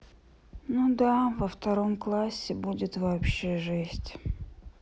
ну да во втором классе будет вообще жесть